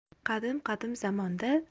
qadim qadim zamonda